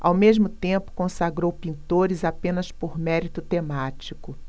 ao mesmo tempo consagrou pintores apenas por mérito temático